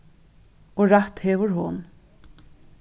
og rætt hevur hon